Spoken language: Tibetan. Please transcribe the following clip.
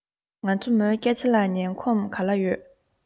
ང ཚོ མོའི སྐད ཆ ལ ཉན ཁོམ ག ལ ཡོད